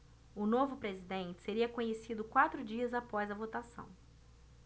o novo presidente seria conhecido quatro dias após a votação